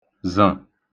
żə̣̀